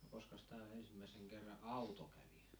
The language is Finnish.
koskas täällä ensimmäisen kerran auto kävi